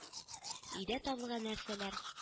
Өйдә табылган нәрсәләр